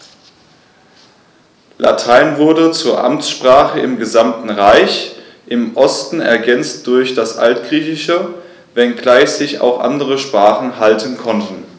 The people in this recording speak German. Latein wurde zur Amtssprache im gesamten Reich (im Osten ergänzt durch das Altgriechische), wenngleich sich auch andere Sprachen halten konnten.